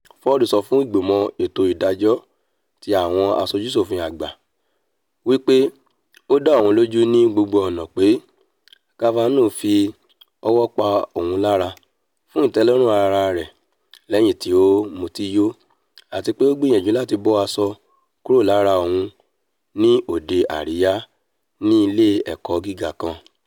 Ford sọ fún Ìgbîmọ̀ Ètò Ìdájọ́ ti Àwọn Àṣojú-ṣòfin Àgbà wí pé ó dá òun lójù ní gbogbo ọ̀nà pé Kavanaugh fí ọwọ́ pa òun lára fún ìtẹ́lọ́rún ara rẹ lẹ́yìn tí ó mutíyò àtipé ó gbìyànjú láti bọ aṣọ kúrò lára òun ní òde àríya ilé-ẹ̀kọ́ gíga kan.